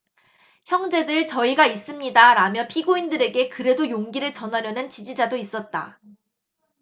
형제들 저희가 있습니다라며 피고인들에게 그래도 용기를 전하려는 지지자도 있었다